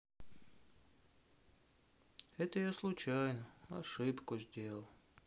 это я случайно ошибку сделал